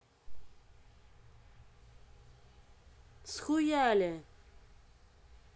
схуяли